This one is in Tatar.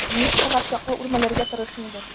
Министрга чаклы үрмәләргә тырыш инде.